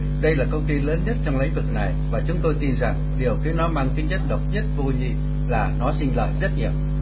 đây là công ty lớn nhất trong lĩnh vực này và chúng tôi tin rằng điều khiến nó mang tính chất độc nhất vô nhị là nó sinh lợi rất nhiều